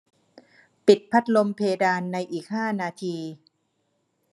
ปิดพัดลมเพดานในอีกห้านาที